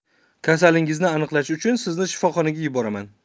kasalingizni aniqlash uchun sizni shifoxonaga yuboraman